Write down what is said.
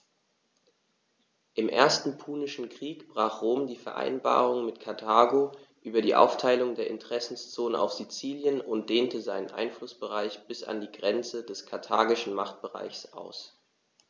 Im Ersten Punischen Krieg brach Rom die Vereinbarung mit Karthago über die Aufteilung der Interessenzonen auf Sizilien und dehnte seinen Einflussbereich bis an die Grenze des karthagischen Machtbereichs aus.